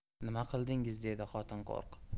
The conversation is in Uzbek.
nima qildingiz dedi xotin qo'rqib